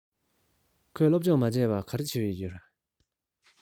ཁོས སློབ སྦྱོང མ བྱས པར ག རེ བྱེད ཀྱི ཡོད རས